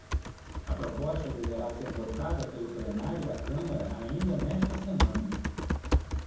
a proposta deverá ser votada pelo plenário da câmara ainda nesta semana